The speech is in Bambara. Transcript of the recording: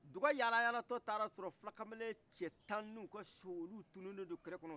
duga yala yala tɔ taara sɔrɔ fulakamelen cɛ tan ni u ka so oluw tunun nen do kɛlɛ kɔnɔ